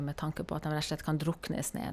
Med tanke på at dem rett og slett kan drukne i snøen.